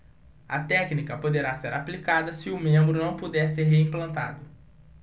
a técnica poderá ser aplicada se o membro não puder ser reimplantado